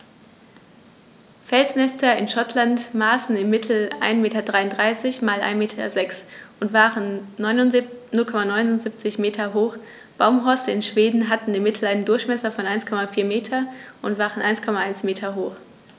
Felsnester in Schottland maßen im Mittel 1,33 m x 1,06 m und waren 0,79 m hoch, Baumhorste in Schweden hatten im Mittel einen Durchmesser von 1,4 m und waren 1,1 m hoch.